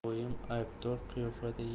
oyim aybdor qiyofada